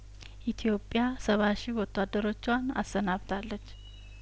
ኢትዮጵያ ሰባ ሺህ ወታደሮቿን አሰናብታለች